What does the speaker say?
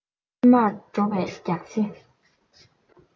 ཕྱི མར འགྲོ བའི རྒྱགས ཕྱེ